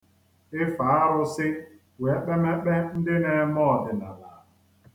Ife arụsị bụ ekpemekpe ndị na-eme ọdịnala.